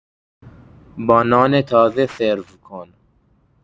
با نان تازه سرو کن.